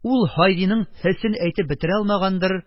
Ул "һайди"ның "һ" сен әйтеп бетә алмагандыр,